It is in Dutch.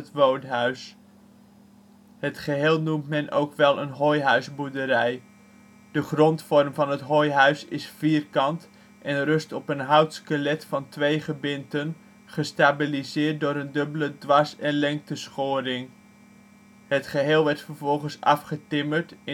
Het geheel noemt men ook wel een hooihuisboerderij. De grondvorm van het hooihuis is vierkant en rust op een houtskelet van twee gebinten, gestabiliseerd door een dubbele dwars - en lengteschoring. Het geheel werd vervolgens afgetimmerd